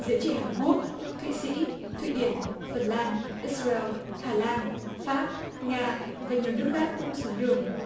giới trẻ hàn quốc thụy sĩ thụy điển phần lan ết sa reo hà lan pháp nga và nhiều nước khác cũng xuống đường